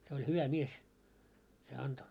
se oli hyvä mies se antoi